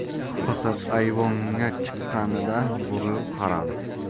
faqat ayvonga chiqqanida burilib qaradi